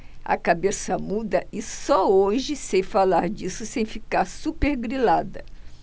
a cabeça muda e só hoje sei falar disso sem ficar supergrilada